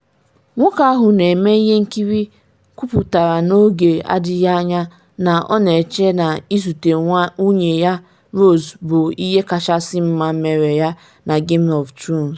Nwoke ahụ na-eme ihe nkiri kwuputara n’oge adịghị anya na ọ na-eche na izute nwunye ya Rose bụ ihe kachasị mma mere ya na Game of Thrones.